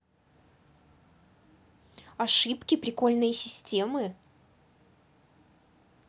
ошибки прикольные системы